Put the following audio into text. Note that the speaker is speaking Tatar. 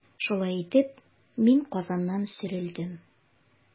Шулай итеп, мин Казаннан сөрелдем.